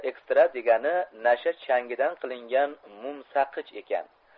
ekstra degani nasha changidan qilingan mum saqich ekan